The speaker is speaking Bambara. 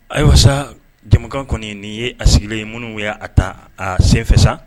Ayiwa sa jɛmukan kɔni nin ye a sigilen ye munun ya ta a senfɛ sa.